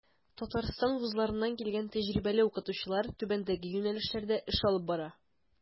Татарстан вузларыннан килгән тәҗрибәле укытучылар түбәндәге юнәлешләрдә эш алып бара.